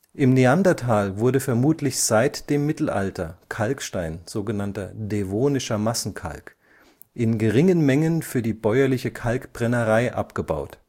Im Neandertal wurde vermutlich bereits seit dem Mittelalter Kalkstein (devonischer Massenkalk) in geringen Mengen für die bäuerliche Kalkbrennerei abgebaut